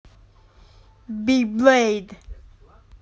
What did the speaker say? bei блейд